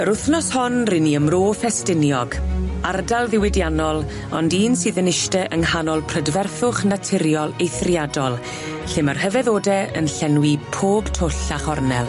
Yr wthnos hon ry'n ni ym Mro Ffestiniog, ardal ddiwydiannol ond un sydd yn iste yng nghanol prydferthwch naturiol eithriadol lle ma' rhyfeddode yn llenwi pob twll a chornel.